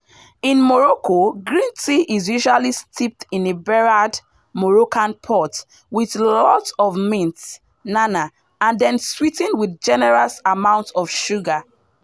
In Morocco, green tea is usually steeped in a berrad (Moroccan teapot) with lots of mint (na'na’) and then sweetened with generous amounts of sugar.